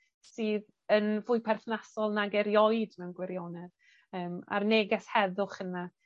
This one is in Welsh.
sydd yn fwy perthnasol nag erioed mewn gwirionedd yym a'r neges heddwch yna